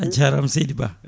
a jarama seydi Ba